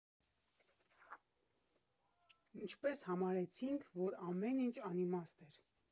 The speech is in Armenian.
Ինչպես համարեցինք, որ ամեն ինչ անիմաստ էր…